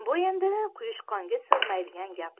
bu endi quyushqonga sig'maydigan gaplar